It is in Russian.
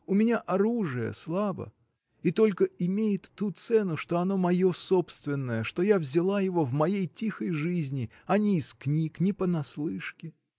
У меня оружие слабо — и только имеет ту цену, что оно мое собственное, что я взяла его в моей тихой жизни, а не из книг, не понаслышке.